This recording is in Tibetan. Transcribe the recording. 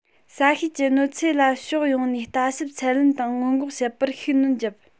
ས གཤིས ཀྱི གནོད འཚེ ལ ཕྱོགས ཡོངས ནས ལྟ ཞིབ ཚད ལེན དང སྔོན འགོག བྱེད པར ཤུགས སྣོན བརྒྱབ